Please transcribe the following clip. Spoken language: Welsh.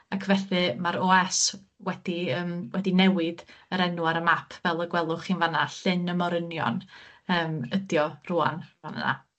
ac felly ma'r Owe Ess wedi yym wedi newid yr enw ar y map fel y gwelwch chi'n fan 'na, llyn y Morynion yym ydi o rŵan fan yna.